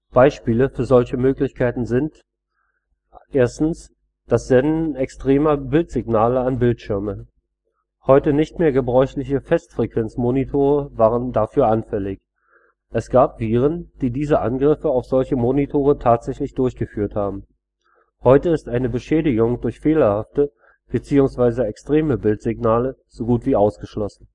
Beispiele für solche Möglichkeiten sind: Das Senden extremer Bildsignale an Bildschirme. Heute nicht mehr gebräuchliche Festfrequenzmonitore waren dafür anfällig, es gab Viren, die diese Angriffe auf solche Monitore tatsächlich durchgeführt haben. Heute ist eine Beschädigung durch fehlerhafte bzw. extreme Bildsignale so gut wie ausgeschlossen